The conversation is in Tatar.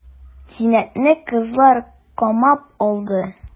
Зиннәтне кызлар камап алды.